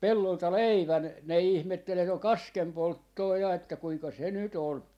pellolta leivän ne ihmetteli että on kaskenpolttoa ja että kuinka se nyt on